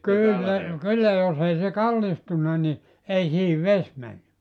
kyllä ne kyllä jos ei se kallistunut niin ei siihen vesi mennyt